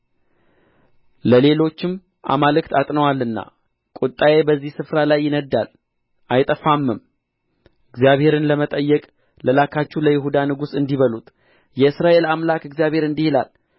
ለሌሎችም አማልክት ዐጥነዋልና ቍጣዬ በዚህ ስፍራ ይነድዳል አይጠፋምም እግዚአብሔርን ለመጠየቅ ለላካችሁ ለይሁዳ ንጉሥ እንዲህ በሉት የእስራኤል አምላክ እግዚአብሔር እንዲህ ይላል